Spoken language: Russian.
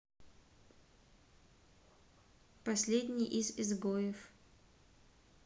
последний из изгоев